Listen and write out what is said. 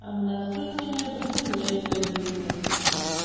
Ә менә сез мине бөтенләй белмисез.